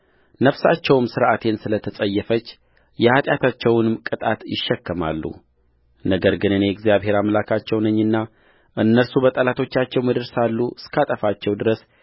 ነፍሳቸውም ሥርዓቴን ስለ ተጸየፈች የኃጢአታቸውን ቅጣት ይሸከማሉነገር ግን እኔ እግዚአብሔር አምላካቸው ነኝኛ እነርሱ በጠላቶቻቸው ምድር ሳሉ እስካጠፋቸው ድረስ